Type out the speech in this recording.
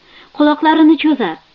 quloqlarini cho'zar